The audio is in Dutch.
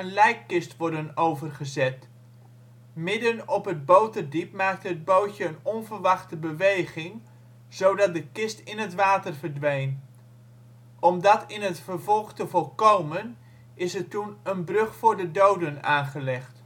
lijkkist worden overgezet. Midden op het Boterdiep maakte het bootje een onverwachte beweging, zodat de kist in het water verdween. Om dat in het vervolg te voorkomen, is er toen " een brug voor de doden " aangelegd